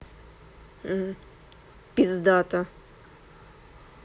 пиздато